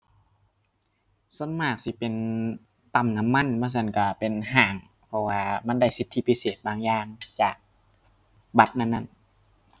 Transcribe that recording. ส่วนมากสิเป็นปั๊มน้ำมันบ่ซั้นก็เป็นห้าง เพราะว่ามันได้สิทธิพิเศษบางอย่างจากบัตรนั้นนั้น